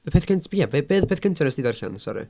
Y peth cynt p... ie be be oedd y peth cyntaf wnest ti ddarllen sori?